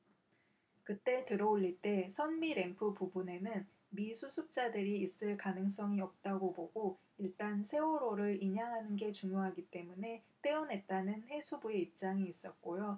그때 들어올릴 때 선미 램프 부분에는 미수습자들이 있을 가능성이 없다고 보고 일단 세월호를 인양하는 게 중요하기 때문에 떼어냈다는 해수부의 입장이 있었고요